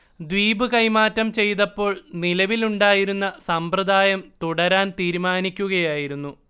ദ്വീപ് കൈമാറ്റം ചെയ്തപ്പോൾ നിലവിലുണ്ടായിരുന്ന സമ്പ്രദായം തുടരാൻ തീരുമാനിക്കുകയായിരുന്നു